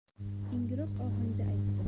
ingroq ohangda aytdi